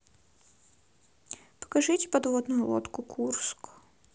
покажите подводную лодку курск